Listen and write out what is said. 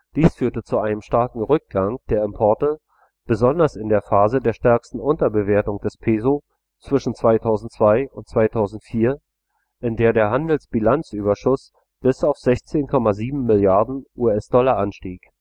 Dies führte zu einem starken Rückgang der Importe besonders in der Phase der stärksten Unterbewertung des Peso zwischen 2002 und 2004, in der der Handelsbilanzüberschuss bis auf 16,7 Milliarden US-Dollar anstieg